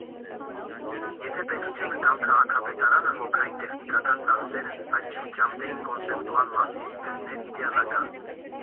Եթե պետությունը կամ քաղաքապետարանը հոգային տեխնիկական ծախսերը, բայց չմիջամտեին կոնցեպտուալ մասին, կլիներ իդեալական։